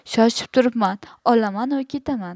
shoshib turibman olamanu ketaman